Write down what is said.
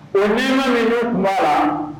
O nɛma min n'o kun b'a la.